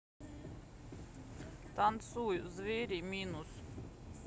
танцуй звери минус